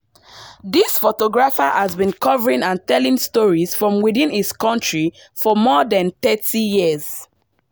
This photographer has been covering and telling stories from within his country for more than 30 years.